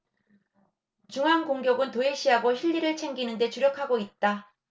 중앙 공격은 도외시하고 실리를 챙기는 데 주력하고 있다